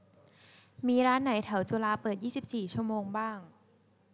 มีร้านไหนแถวจุฬาเปิดยี่สิบสี่ชั่วโมงบ้าง